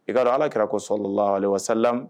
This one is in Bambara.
I ka ala kɛra kosɔ la ale wasa